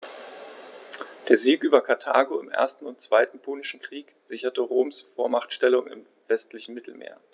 Der Sieg über Karthago im 1. und 2. Punischen Krieg sicherte Roms Vormachtstellung im westlichen Mittelmeer.